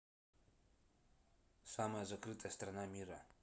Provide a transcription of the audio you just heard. самая закрытая страна мира